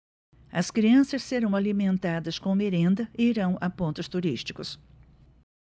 as crianças serão alimentadas com merenda e irão a pontos turísticos